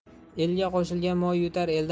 elga qo'shilgan moy yutar